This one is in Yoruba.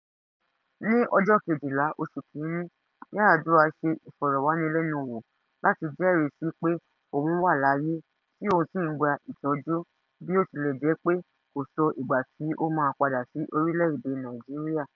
Ní 12 oṣù Kìíní, Yar'Adua ṣe ìfọ̀rọ̀wánilẹ́nuwò láti jẹ́rìí sí pé òun wà láyé tí òun sì ń gba Ìtọ́jú, bí ó tilẹ̀ jẹ́ pé kò sọ ìgbà tí ó maa padà sí orílẹ̀-èdè Nàìjíríà.